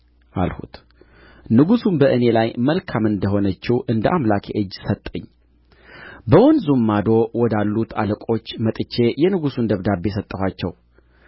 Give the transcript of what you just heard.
አልሁት ንጉሡም በእኔ ላይ መልካም እንደ ሆነችው እንደ አምላኬ እጅ ሰጠኝ በወንዙም ማዶ ወዳሉት አለቆች መጥቼ የንጉሡን ደብዳቤ ሰጠኋቸው